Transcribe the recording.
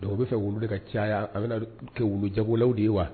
Dɔw bɛ fɛ wulu de ka caya an bɛ kɛ wu jagolaww de ye wa